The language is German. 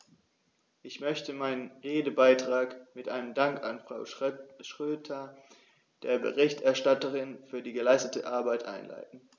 Ich möchte meinen Redebeitrag mit einem Dank an Frau Schroedter, der Berichterstatterin, für die geleistete Arbeit einleiten.